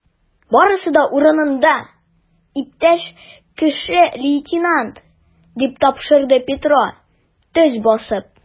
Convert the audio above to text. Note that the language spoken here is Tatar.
Барысы да урынында, иптәш кече лейтенант, - дип тапшырды Петро, төз басып.